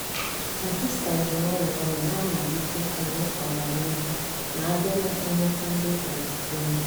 Pakistan ji nwayọọ nwayọọ na-amalite enwe ọganihu ma a bịa na nhụta ndị transịjenda.